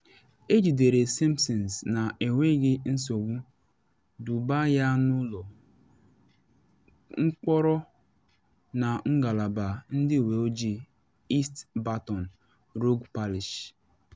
Ejidere Simpson na enweghị nsogbu, dubaa ya n’ụlọ mkpọrọ na Ngalaba Ndị Uwe Ojii East Baton Rouge Parish.